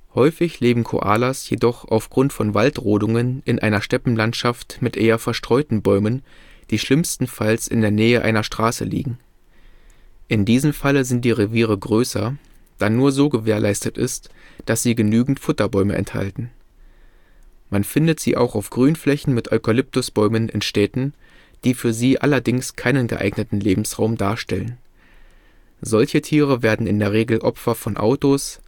Häufig leben Koalas jedoch aufgrund von Waldrodungen in einer Steppenlandschaft mit eher verstreuten Bäumen, die schlimmstenfalls in der Nähe einer Straße liegen. In diesem Fall sind die Reviere größer, da nur so gewährleistet ist, dass sie genügend Futterbäume enthalten. Man findet sie auch auf Grünflächen mit Eukalyptusbäumen in Städten, die für sie allerdings keinen geeigneten Lebensraum darstellen. Solche Tiere werden in der Regel Opfer von Autos